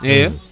iyo